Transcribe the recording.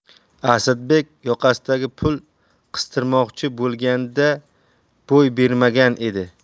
asadbek yoqasiga pul qistirmoqchi bo'lganida bo'y bermagan edi